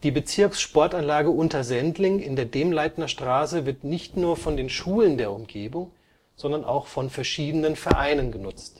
Bezirkssportanlage Untersendling in der Demleitnerstraße wird nicht nur von den Schulen der Umgebung, sondern auch von verschiedenen Vereinen genutzt